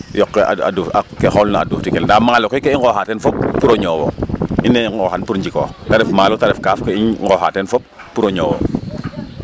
Yoq ke xoolna a duuftikel ndaa maalo koy ke i nqooxaq teen fop pour o ñoow o, i nee nqooxan pour njikoox tq ref maalo, tq ref kaaf ke i nqooxaq teen fop pour o ñoow o.